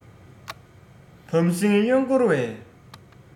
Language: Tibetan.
བམ སྲིང གཡོན སྐོར བས